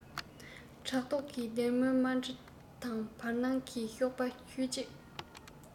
བྲག ཐོག གི སྡེར མོའི དམར དྲི དང བར སྣང གི གཤོག པའི ཤུལ རྗེས